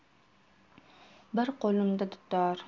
bir qo'limda dutor